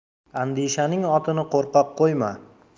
andishaning otini qo'rqoq qo'yma